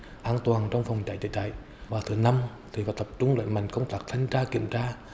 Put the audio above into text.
an toàn trong phòng cháy chữa cháy và thứ năm tập trung đẩy mạnh công tác thanh tra kiểm tra